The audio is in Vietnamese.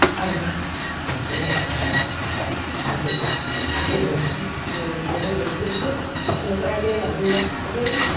anh á anh sẽ lẻn sang nhà thảo mai ăn trộm gạo ăn trộm nồi rồi về đây nấu cơm trước chờ các em lên làm vừa ô kê